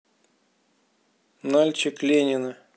нальчик ленина